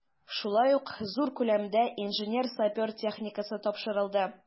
Шулай ук зур күләмдә инженер-сапер техникасы тапшырылды.